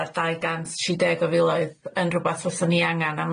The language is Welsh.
ar dau gant tri deg o filoedd yn rwbath fyswn i angan a